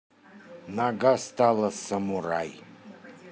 нога стала самурай